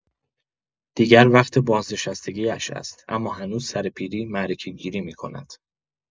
دیگر وقت بازنشستگی‌اش است، اما هنوز سر پیری معرکه‌گیری می‌کند.